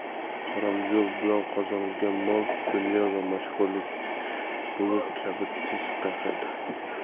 harom yo'l bilan qozonilgan mol dunyo va mashhurlik bulut kabi tez tarqaydi